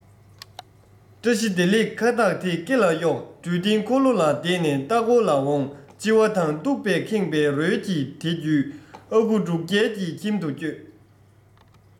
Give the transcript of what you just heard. བཀྲ ཤེས བདེ ལེགས ཁ བཏགས དེ སྐེ ལ གཡོགས འདྲུད འཐེན འཁོར ལོ ལ བསྡད ནས ལྟ སྐོར ལ འོངས ལྕི བ དང སྟུག པས ཁེངས པའི རོལ དེ བརྒྱུད ཨ ཁུ འབྲུག རྒྱལ གྱི ཁྱིམ དུ བསྐྱོད